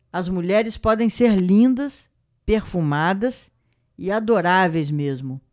as mulheres podem ser lindas perfumadas e adoráveis mesmo